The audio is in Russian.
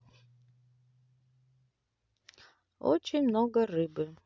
очень много рыбы